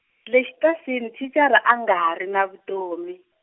le xitasini thicara a nga ha ri na vutomi.